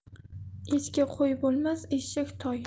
echki qo'y bo'lmas eshak toy